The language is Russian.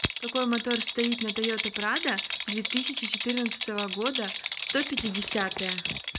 какой мотор стоит на тойота прадо две тысячи четырнадцатого года сто пятидесятая